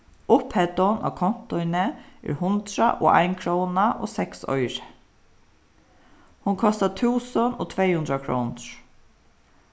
upphæddin á kontoini er hundrað og ein króna og seks oyru hon kostar túsund og tvey hundrað krónur